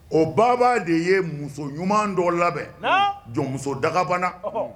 O baba de ye muso ɲuman dɔ labɛn jɔnmuso dagabana